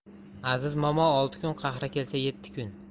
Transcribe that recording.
aziz momo olti kun qahri kelsa yetti kun